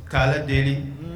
' deli